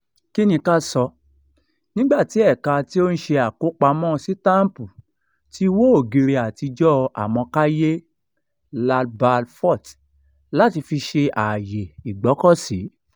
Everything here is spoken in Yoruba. Kí ni ká sọ? Nígbà tí ẹ̀ka tí ó ń ṣe àkópamọ́ sítám̀pù ti wo ògiri àtijọ́ àmọ̀káyée Lalbagh Fort láti fi ṣe àyè ìgbọ́kọ̀sí.